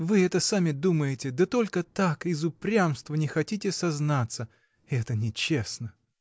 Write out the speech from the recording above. Вы это сами думаете, да только так, из упрямства, не хотите сознаться: это нечестно.